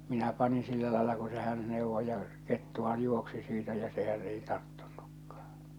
minä panin sillä lailla kun se hän neuvoi ja kettuhan juoksi siitä ja sehän ei tarttunutkaan